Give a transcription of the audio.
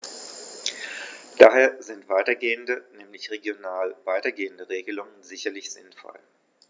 Daher sind weitergehende, nämlich regional weitergehende Regelungen sicherlich sinnvoll.